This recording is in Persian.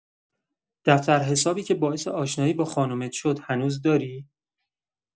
دفتر حسابی که باعث آشنایی با خانمت شد هنوز داری؟